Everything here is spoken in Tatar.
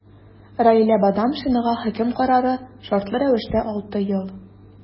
Раилә Бадамшинага хөкем карары – шартлы рәвештә 6 ел.